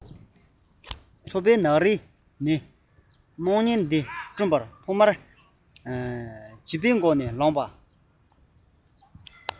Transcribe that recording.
ཚོར བའི ནག རིས ཀྱི སྣང བརྙན འདི བསྐྲུན པར ཐོག མར བྱིས པ གོག ནས ལངས པ དང